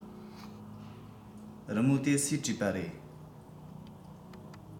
རི མོ དེ སུས བྲིས པ རེད